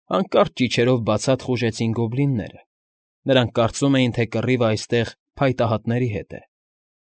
Հանկարծ ճիչերով բացատ խուժեցին գոբլինները։ Նրանք կարծում էին, թե կռիվը այստեղ փայտահատների հետ է։